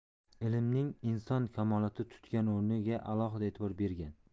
ilmning inson kamolotida tutgan o'rniga alohida e'tibor bergan